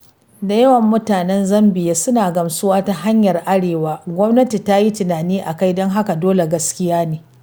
Da yawan mutanan Zambiya suna gamsuwa ta hanyar cewa, ''gwamnati ta yi tunani a kai, don haka dole gaskiya ne.